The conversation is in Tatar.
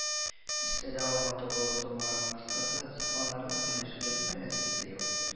Төскә дә ул матур булып тумаган. Кыскасы, сокланырлык, көнләшерлек бер нәрсәсе дә юк